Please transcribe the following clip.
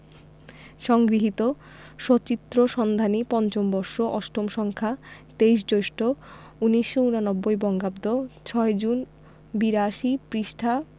সংগৃহীত সচিত্র সন্ধানী৫ম বর্ষ ৮ম সংখ্যা ২৩ জ্যৈষ্ঠ ১৩৮৯ বঙ্গাব্দ/৬ জুন৮২ পৃষ্ঠাঃ